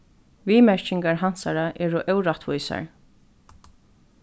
viðmerkingar hansara eru órættvísar